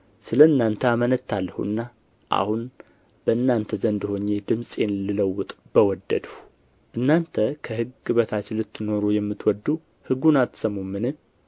ስለ እናንተ አመነታለሁና አሁን በእናንተ ዘንድ ሆኜ ድምፄን ልለውጥ በወደድሁ እናንተ ከሕግ በታች ልትኖሩ የምትወዱ ሕጉን አትሰሙምን